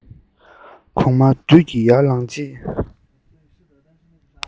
གོག མ དུད ཀྱིས ཡར ལངས རྗེས